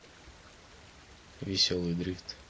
веселый дрифт